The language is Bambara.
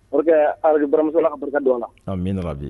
Aradu baramusola a barika dɔn la min nana bi